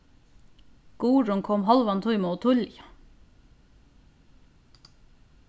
guðrun kom hálvan tíma ov tíðliga